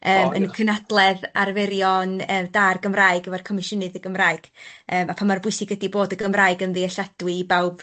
y cynadledd arferion yym 'da'r Gymraeg efo'r Comisiynydd y Gymraeg yym a pa mor bwysig ydi bod y Gymraeg yn ddealladwy i bawb.